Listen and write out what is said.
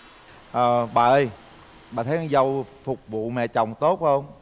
à bà ơi bà thấy con dâu phục vụ mẹ chồng tốt không